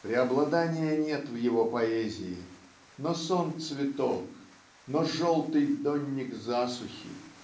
Преобладания нет в его поэзии но "сон-цветок" но желтый донник засухи